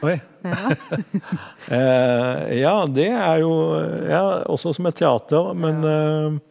oi ja det er jo ja også som et teater men .